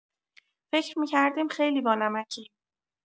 فکر می‌کردیم خیلی بانمکیم